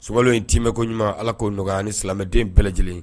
Sunkalo i tiimɛ ko ɲuman ala k'o nɔgɔya an ni silamɛ bɛɛ lajɛlen ye.